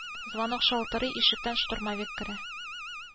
Звонок шалтырый ишектән штурмовик керә